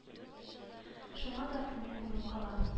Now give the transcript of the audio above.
Шуңа да күңел булып кала